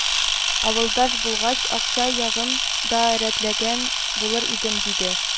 Авылдаш булгач, акча ягын да рәтләгән булыр идем, диде